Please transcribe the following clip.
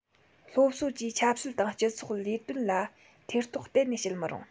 སློབ གསོ བཅས ཆབ སྲིད དང སྤྱི ཚོགས ལས དོན ལ ཐེ གཏོགས གཏན ནས བྱེད མི རུང